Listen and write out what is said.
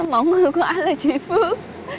mẫu người của anh là chị phương